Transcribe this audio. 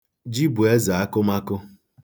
Ji bụ eze akụmakụ.